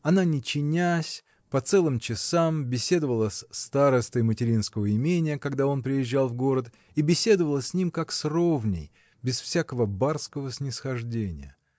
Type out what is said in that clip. она, не чинясь, по целым часам беседовала с старостой материнского имения, когда он приезжал в город, и беседовала с ним, как с ровней, без всякого барского снисхождения.